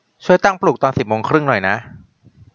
ช่วยตั้งปลุกตอนสิบโมงครึ่งหน่อยนะ